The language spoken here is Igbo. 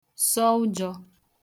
sọ ụjọ